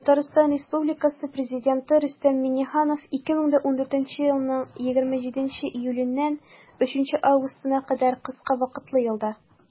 Татарстан Республикасы Президенты Рөстәм Миңнеханов 2014 елның 27 июленнән 3 августына кадәр кыска вакытлы ялда.